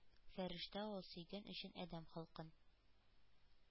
Фәрештә ул; сөйгән өчен адәм халкын,